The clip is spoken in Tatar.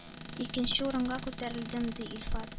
Икенче урынга күтәрелдем, – ди илфат.